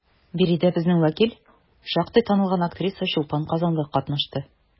Биредә безнең вәкил, шактый танылган актриса Чулпан Казанлы катнашты.